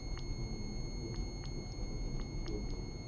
so'ng unga qo'sh naqora tovushi jo'r bo'ldi